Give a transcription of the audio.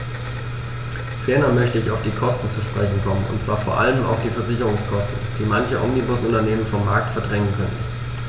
Ferner möchte ich auf die Kosten zu sprechen kommen, und zwar vor allem auf die Versicherungskosten, die manche Omnibusunternehmen vom Markt verdrängen könnten.